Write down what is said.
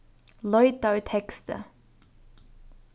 leita í teksti